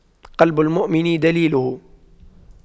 قلب المؤمن دليله